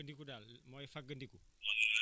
lu ngeen di fàggandiku daal mooy fàggandiku